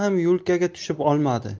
ham yo'lkaga tushib olmadi